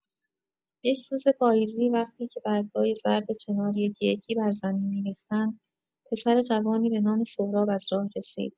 یک روز پاییزی، وقتی که برگ‌های زرد چنار یکی‌یکی بر زمین می‌ریختند، پسر جوانی به نام سهراب از راه رسید.